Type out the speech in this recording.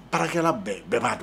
Baarakɛ bɛɛ bɛɛ b'a don